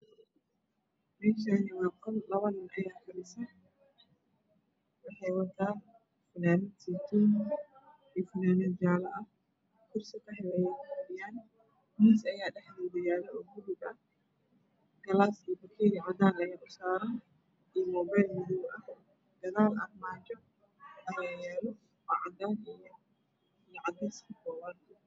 Meeshaan waa qol labo nin ayaa fadhiso waxay wataan fanaanad seytuun iyo fanaanad jaalo ah kursi qaxwi ah ayay ku fadhiyaan miis ayaa dhexdooda yaal oo buluug. Galaas iyo bakeeri cadaan ah ayaa dulsaaran iyo muubeel madow ah. Gadaal waxaa yaalo armaajo oo cadaan iyo cadeys ka kooban.